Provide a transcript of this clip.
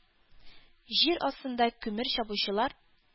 Җир астында күмер чабучылар,